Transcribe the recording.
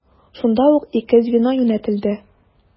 Шунда ук ике звено юнәтелде.